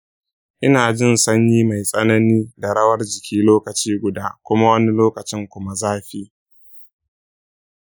ina jin sanyi mai tsanani da rawar jiki lokaci guda kuma wani lokacin kuma zafi.